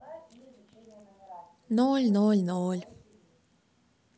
ноль ноль ноль